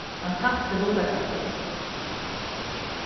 hann tapti lutakastið